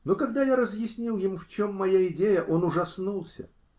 Но когда я разъяснил ему, в чем моя идея, он ужаснулся.